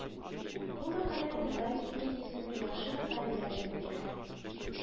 Бу мәкалә Татар Википедиясенең яхшы мәкаләләр рәтенә керә